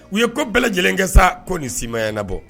U ye ko bɛɛ lajɛlen kɛ sa ko nin si ma yanabɔ